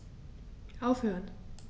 Aufhören.